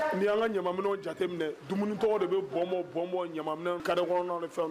Ni an ka ɲaminɛ jateminɛ dɛ dumuni tɔgɔ de bɛ bɔnɔn bɔnɔn ɲaminɛ kari kɔnɔn fɛ